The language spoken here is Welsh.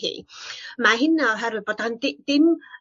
hi ma' hynna oherwydd bod o'n di- dim